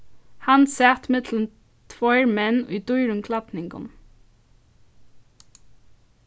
hann sat millum tveir menn í dýrum klædningum